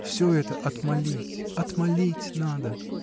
Все это отмолить, отмолить надо.